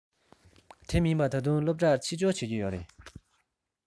དེ མིན པ གཙོ བོ སློབ གྲྭར ཕྱི འབྱོར བྱེད ཀྱི ཡོད རེད